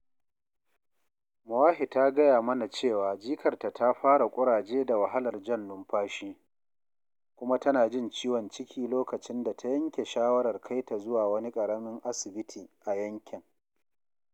Moahi ta gaya mana cewa jikarta ta fara ƙuraje da wahalar jan numfashi, kuma tana jin ciwon ciki lokacin da ta yanke shawarar kai ta zuwa wani ƙaramin asibiti a yankin.